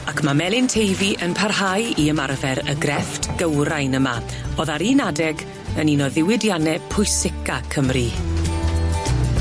ac ma' Melyn Teifi yn parhau i ymarfer y grefft gywrain yma o'dd ar un adeg yn un o ddiwydianne pwysica Cymru.